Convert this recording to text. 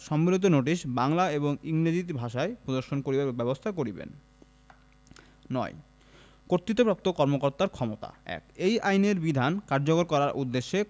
সম্বলিত নোটিশ বাংলা এবং ইংরেজী ভাষায় প্রদর্শন করিবার ব্যবস্থা করিবেন ৯ কর্তৃত্বপ্রাপ্ত কর্মকর্তার ক্ষমতাঃ ১ এই আইনের বিধান কার্যকর করার উদ্দেশ্যে